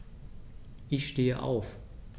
Ich stehe auf.